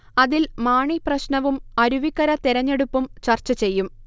അതിൽ മാണി പ്രശ്നവും അരുവിക്കര തെരഞ്ഞെടുപ്പും ചർച്ച ചെയ്യും